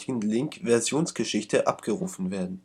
Rougemont-le-Château Valdoie